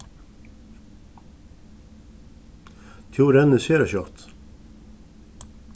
tú rennur sera skjótt